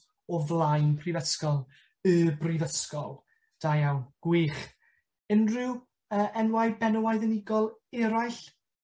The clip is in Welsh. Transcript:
o flaen prifysgol. Y brifysgol. Da iawn. Gwych. Unrhyw yy enwau benywaidd unigol eraill?